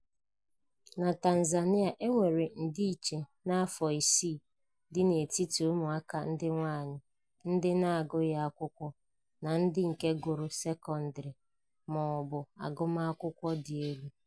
Na Tanzania, e nwere ndịiche afọ 6 dị n'etiti ụmụaka ndị nwaanyị ndị na-agụghị akwụkwọ na ndị nke gụrụ sekọndịrị ma ọ bụ agụmakwụkwọ dị elu.